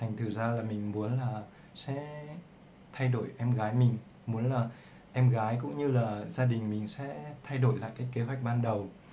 thành thử ra mình muốn sẽ thay đổi được em gái mình mình muốn em gái và gia đình thay đổi lại kế hoạch ban đầu